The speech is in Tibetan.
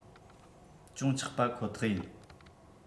ཅུང ཆག པ ཁོ ཐག ཡིན